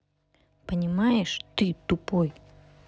понимаешь ты тупой